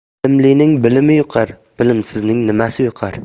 bilimlining bilimi yuqar bilimsizning nimasi yuqar